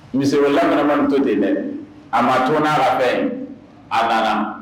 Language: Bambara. Misiwlamanato de dɛ a matuma a fɛ a la